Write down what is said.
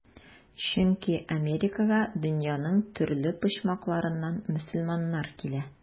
Чөнки Америкага дөньяның төрле почмакларыннан мөселманнар килә.